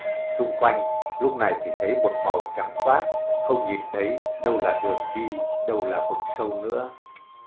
xung quanh lúc này chỉ thấy một màu trắng toát không nhìn thấy đâu là đường đi đâu là vực sâu nữa